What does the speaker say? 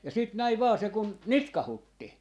ja sitten näin vain se kun nitkautti